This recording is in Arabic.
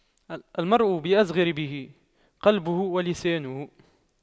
المرء بأصغريه قلبه ولسانه